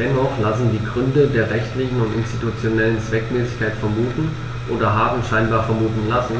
Dennoch lassen die Gründe der rechtlichen und institutionellen Zweckmäßigkeit vermuten, oder haben scheinbar vermuten lassen,